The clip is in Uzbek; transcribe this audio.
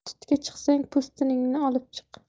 tutga chiqsang po'stiningni olib chiq